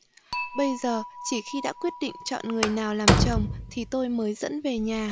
bây giờ chỉ khi đã quyết định chọn người nào làm chồng thì tôi mới dẫn về nhà